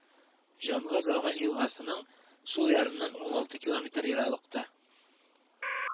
Жангызагач елгасының сул ярыннан уналты километр ераклыкта